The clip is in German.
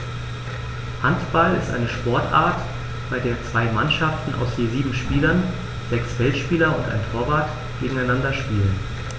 Handball ist eine Sportart, bei der zwei Mannschaften aus je sieben Spielern (sechs Feldspieler und ein Torwart) gegeneinander spielen.